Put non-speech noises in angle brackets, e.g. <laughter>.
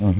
<hesitation> <hesitation>